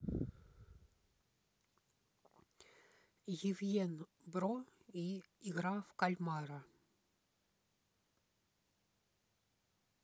евген бро и игра в кальмара